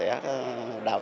sẽ đào